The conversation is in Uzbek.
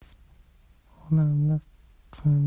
onamni qo'msash aralash sog'inch